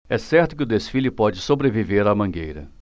é certo que o desfile pode sobreviver à mangueira